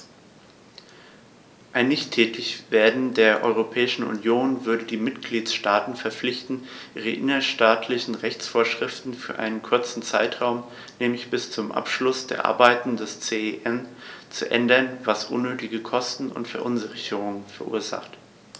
Ein Nichttätigwerden der Europäischen Union würde die Mitgliedstaten verpflichten, ihre innerstaatlichen Rechtsvorschriften für einen kurzen Zeitraum, nämlich bis zum Abschluss der Arbeiten des CEN, zu ändern, was unnötige Kosten und Verunsicherungen verursacht.